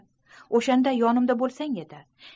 o'shanda yonimda bo'lsang edi